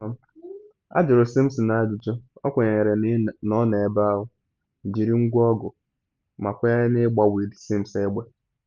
Ajụrụ Simpson ajụjụ, ọ kwenyere na ọ n’ebe ahụ, jiri ngwa ọgụ, ma kwenye na ịgba Wayde Sims egbe.